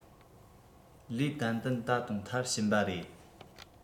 ལས ཏན ཏན ད དུང མཐར ཕྱིན པ རེད